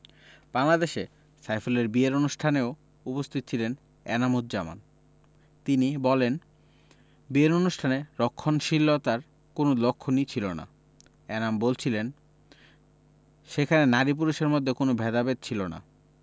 বাংলাদেশে সাইফুলের বিয়ের অনুষ্ঠানেও উপস্থিত ছিলেন এনাম উজজামান তিনি বলেন বিয়ের অনুষ্ঠানে রক্ষণশীলতার কোনো লক্ষণই ছিল না এনাম বলছিলেন সেখানে নারী পুরুষের মধ্যে কোনো ভেদাভেদ ছিল না